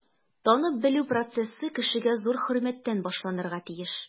Танып-белү процессы кешегә зур хөрмәттән башланырга тиеш.